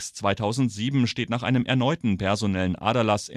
2006/2007 steht nach einem erneuten personellen Aderlass